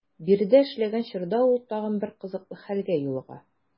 Биредә эшләгән чорда ул тагын бер кызыклы хәлгә юлыга.